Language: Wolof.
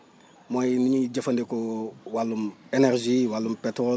mooy ni ñuy jëfandikoo wàllum énergie wàllum pétrole